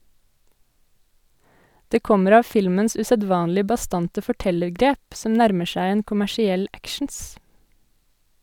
Det kommer av filmens usedvanlig bastante fortellergrep, som nærmer seg en kommersiell actions.